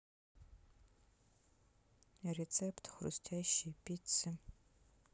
рецепт хрустящей пиццы